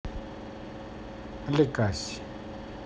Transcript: ликаси